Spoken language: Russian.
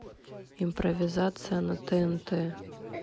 импровизация на тнт